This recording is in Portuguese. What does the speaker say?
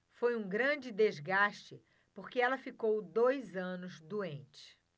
foi um grande desgaste porque ela ficou dois anos doente